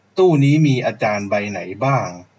ตู้นี้มีอาจารย์ใบไหนบ้าง